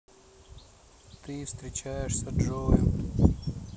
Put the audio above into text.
ты встречаешься с джоем